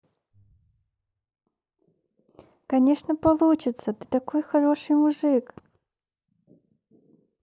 конечно получится ты такой хороший мужик